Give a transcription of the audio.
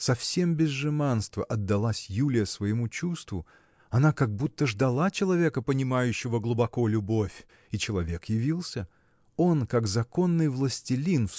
совсем без жеманства отдалась Юлия своему чувству! Она как будто ждала человека понимающего глубоко любовь – и человек явился. Он как законный властелин